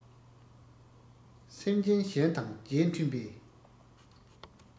སེམས ཅན གཞན དང རྗེས མཐུན པའི